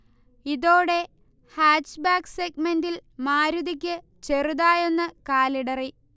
ഇതോടെ ഹാച്ച്ബാക്ക് സെഗ്മന്റെിൽ മാരുതിക്ക് ചെറുതായൊന്ന് കാലിടറി